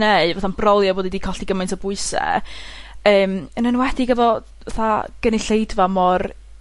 neu' fatha'n brolio bod 'i 'di colli gymaint o bwyse, yym, yn enwedig efo fatha gynulleidfa mor